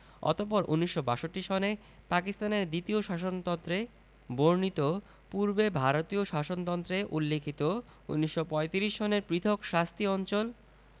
অতপর ১৯৬২ সনে পাকিস্তানের দ্বিতীয় শাসনতন্ত্রে বর্ণিত পূর্বে ভারতীয় শাসনতন্ত্রে উল্লিখিত ১৯৩৫ সনের পৃথক শাস্তি অঞ্চল